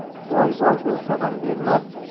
boy bor bo'lsa ham bermas